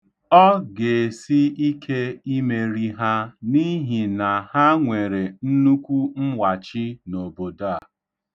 Ọ ga-esi ike imeri ha n'ihi na ha nwere nnukwu mwachi n'obodo a.